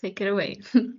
take it away.